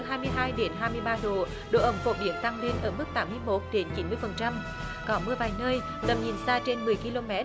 hai mươi hai đến hai mươi ba độ độ ẩm phổ biến tăng lên ở mức tám mươi mốt đến chín mươi phần trăm có mưa vài nơi tầm nhìn xa trên mười ki lô mét